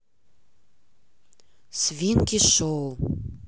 свинки шоу